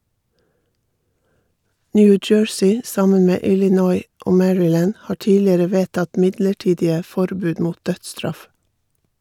New Jersey, sammen med Illinois og Maryland, har tidligere vedtatt midlertidige forbud mot dødsstraff.